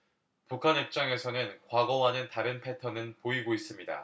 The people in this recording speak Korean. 북한 입장에서는 과거와는 다른 패턴은 보이고 있습니다